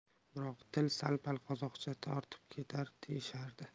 biroq tili sal pal qozoqchaga tortib ketadi deyishardi